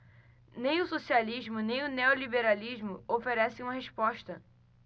nem o socialismo nem o neoliberalismo oferecem uma resposta